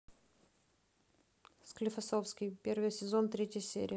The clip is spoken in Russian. склифосовский первый сезон третья серия